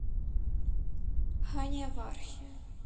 хания фархи